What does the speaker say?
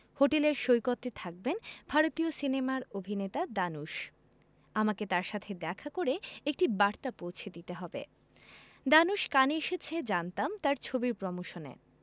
হোটেলের সৈকতে থাকবেন ভারতীয় সিনেমার অভিনেতা ধানুশ আমাকে তার সাথে দেখা করে একটি বার্তা পৌঁছে দিতে হবে ধানুশ কানে এসেছে জানতাম তার ছবির প্রমোশনে